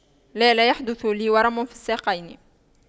لا لا يحدث لي ورم في الساقين